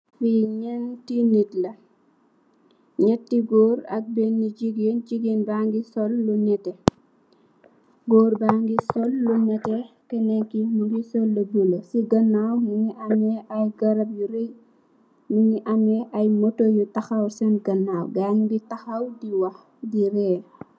Fi neenti nitt la neeti goor ak bena jigeen jigeen bagi sol lu neteh goor bagi sol lu neteh kenen ki mogi sol lu bulo so kanaw mogi ameh ayy garab yu raay nyugi ameh ay moto yu taxaw sen kanaw gaay nyugi taxaw di waxx di reer.